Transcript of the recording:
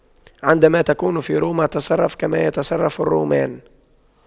عندما تكون في روما تصرف كما يتصرف الرومان